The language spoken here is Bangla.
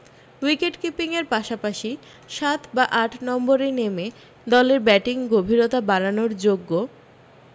উইকেটকিপিংয়ের পাশাপাশি সাত বা আট নম্বরে নেমে দলের ব্যাটিং গভীরতা বাড়ানোর যোগ্য